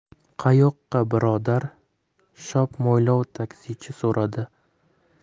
qayoqqa birodar shop mo'ylov taksichi so'radi